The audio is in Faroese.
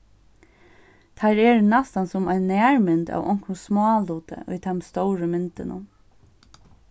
teir eru næstan sum ein nærmynd av onkrum smáluti í teimum stóru myndunum